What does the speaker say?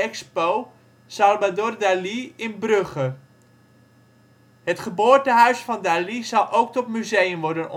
Xpo: Salvador Dalí in Brugge. Het geboortehuis van Dalí zal ook tot museum worden